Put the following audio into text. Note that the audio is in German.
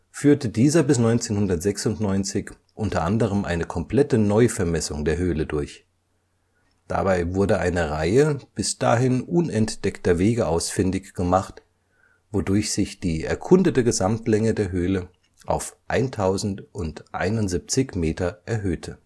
führte dieser bis 1996 unter anderem eine komplette Neuvermessung der Höhle durch. Dabei wurde eine Reihe bis dahin unentdeckter Wege ausfindig gemacht, wodurch sich die erkundete Gesamtlänge der Höhle auf 1071 Meter erhöhte